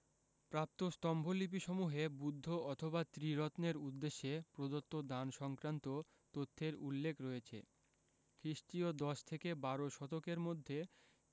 প্রাপ্ত স্তম্ভলিপিসমূহে বুদ্ধ অথবা ত্রিরত্নের উদ্দেশ্যে প্রদত্ত দান সংক্রান্ত তথ্যের উল্লেখ রয়েছে খ্রিস্টীয় দশ থেকে বারো শতকের মধ্যে